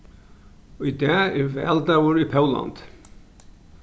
í dag er valdagur í póllandi